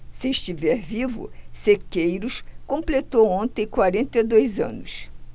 se estiver vivo sequeiros completou ontem quarenta e dois anos